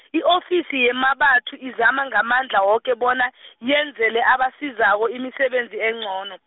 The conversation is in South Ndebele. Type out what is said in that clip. i-ofisi yeMmabatho izama ngamandla woke bona, yenzele ebasizako imisebenzi engcono.